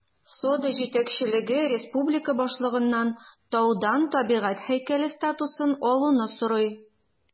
Сода җитәкчелеге республика башлыгыннан таудан табигать һәйкәле статусын алуны сорый.